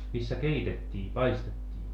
missä keitettiin paistettiin